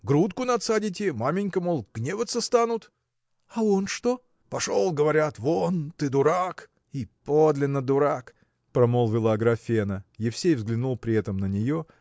грудку надсадите: маменька, мол, гневаться станут. – А он что? – Пошел, говорят, вон: ты дурак! – И подлинно дурак! – промолвила Аграфена. Евсей взглянул при этом на нее